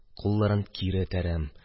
Кулларын кире этәрәм.